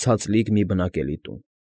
Ցածլիկ մի բնակելի տուն։